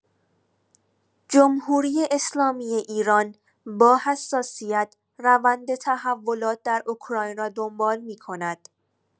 جمهوری‌اسلامی ایران با حساسیت روند تحولات در اوکراین را دنبال می‌کند.